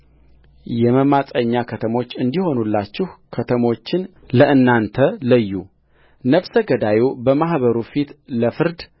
የመማፀኛ ከተሞች እንዲሆኑላችሁ ከተሞችን ለእናንት ለዩነፍሰ ገዳዩ በማኅበሩ ፊት ለፍርድ